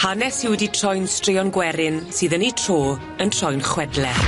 Hanes sy wedi troi'n straeon gwerin sydd yn 'i tro yn troi'n chwedle.